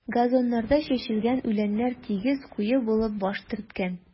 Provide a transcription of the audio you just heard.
Газоннарда чәчелгән үләннәр тигез, куе булып баш төрткән.